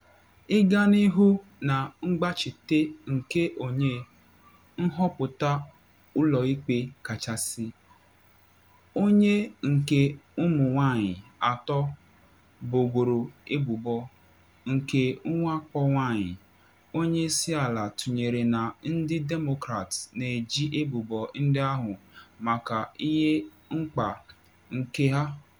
Ịga n’ihu na mgbachite nke onye nhọpụta Ụlọ Ikpe Kachasị, onye nke ụmụ nwanyị atọ bogoro ebubo nke nwakpo nwanyị, onye isi ala tụnyere na ndị Demokrat na eji ebubo ndị ahụ maka ihe mkpa nke ha.